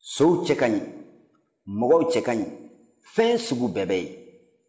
sow cɛ ka ɲi mɔgɔw cɛ ka ɲi fɛn sugu bɛɛ bɛ ye